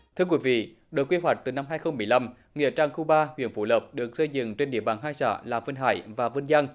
thưa quý vị đợt quy hoạch từ năm hai không mười lăm nghĩa trang khu ba huyện phú lộc được xây dựng trên địa bàn hai xã là vinh hải và vinh giang